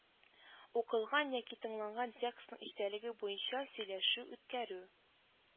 Укылган яки тыңланган текстның эчтəлеге буенча сөйлəшү үткəрү